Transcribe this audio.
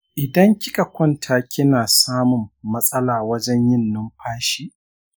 idan kika kwanta kina samun matsala wajen yin numfashi?